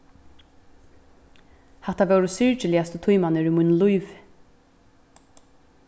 hatta vóru syrgiligastu tímarnir í mínum lívi